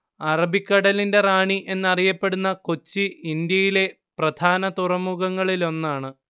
അറബിക്കടലിന്റെ റാണി എന്നറിയപ്പെടുന്ന കൊച്ചി ഇന്ത്യയിലെ പ്രധാന തുറമുഖങ്ങളിലൊന്നാണ്